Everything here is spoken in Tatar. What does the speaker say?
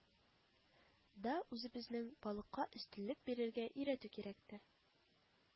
Да үзебезнең балыкка өстенлек бирергә өйрәтү кирәктер